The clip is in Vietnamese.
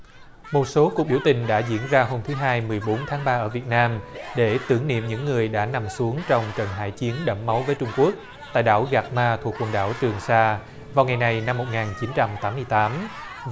một số cuộc biểu tình đã diễn ra hôm thứ hai mười bốn tháng ba ở việt nam để tưởng niệm những người đã nằm xuống trong trận hải chiến đẫm máu với trung quốc tại đảo gạc ma thuộc quần đảo trường sa vào ngày này năm một ngàn chín trăm tám mươi tám